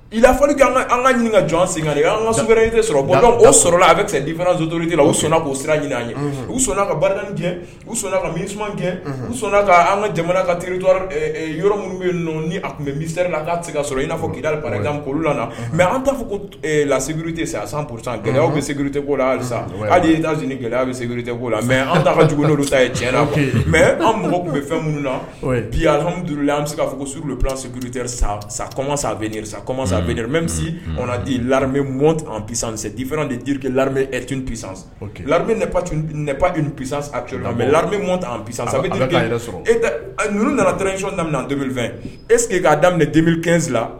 Lafali an ka ɲini ka jɔn sen an ka s sɔrɔ ka o sɔrɔla a bɛ cɛ di fana duuru la u sɔnnaonao sira ɲini an ye u sɔnna ka ba u sɔnna ka miuman kɛ sɔnna ka an ka jamana ka kiri yɔrɔ minnu bɛ ni tun bɛ misiri la' se ka sɔrɔ i'a fɔ k' kulu la mɛ an t' fɔ lasigiurrite sa a san p gɛlɛya bɛ sete' la alisa haliz gɛlɛya aw bɛ sete la mɛ an t' ka jugu ta ye tiɲɛna mɛ an mɔ tun bɛ fɛn minnu na bi alihamududula an bɛ se'a fɔ suru s sa san kɔman sa bɛ sa kɔ san bɛ misi mɔn di la fana de jirikike lat la mɛ larisa san a bɛ sɔrɔ eee ninnu nana trec daminɛ fɛ eseke k'a daminɛ den kɛn la